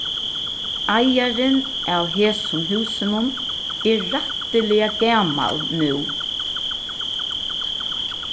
eigarin av hesum húsinum er rættiliga gamal nú